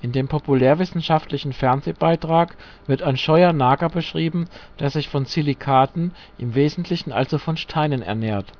dem populärwissenschaftlichen Fernsehbeitrag wird ein scheuer Nager beschrieben, der sich von Silikaten, i. W. also von Steinen, ernährt